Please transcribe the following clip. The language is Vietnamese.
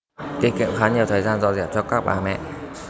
tiết kiệm khá nhiều thời gian dọn dẹp cho các bà mẹ